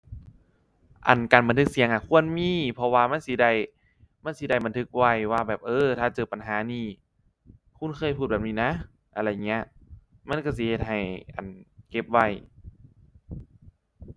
อั่น การบันทึกเสียงอะควรมี เพราะว่ามันสิได้ มันสิได้บันทึกไว้ว่าแบบ เอ้อ ถ้าเจอปัญหานี้ คุณเคยพูดแบบนี้นะ อะไรอย่างงี้ มันก็สิเฮ็ดให้ อั่น เก็บไว้